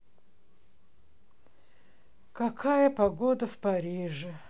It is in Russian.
какая погода в париже